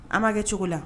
An ma kɛ cogo la